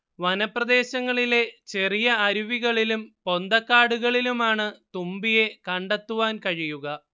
വനപ്രദേശങ്ങളിലെ ചെറിയ അരുവികളിലും പൊന്തക്കാടുകളിലുമാണ് തുമ്പിയെ കണ്ടെത്തുവാൻ കഴിയുക